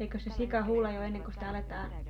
eikös se sika huuda jo ennen kuin sitä aletaan